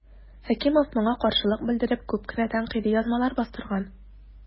Хәкимов моңа каршылык белдереп күп кенә тәнкыйди язмалар бастырган.